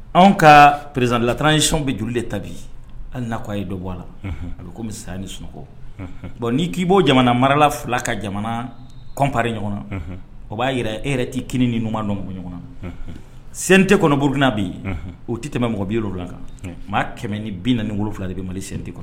Anw ka perezali latan nicɔn bɛ juru de tabi hali nakɔ a ye dɔ bɔ a la olu ko ni sunɔgɔ bon ni'i k'i bɔ jamana marala fila ka jamana kɔnp ɲɔgɔn na o b'a jira e yɛrɛ tini ni ɲumanuma dɔn mɔgɔ ɲɔgɔn na sen tɛ kɔnɔurudina bɛ yen o tɛ tɛmɛ mɔgɔ bi olu kan maa kɛmɛ ni bin na ni wolowula de bɛ mali seli tɛ kɔnɔ